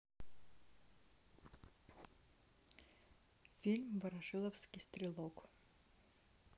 фильм ворошиловский стрелок